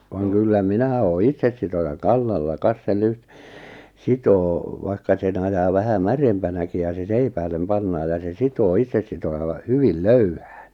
vaan kyllä minä olen itsesitojan kannalla kas se - sitoo vaikka sen ajaa vähän märempänäkin ja se seipäälle pannaan ja se sitoo itsesitojalla hyvin löyhään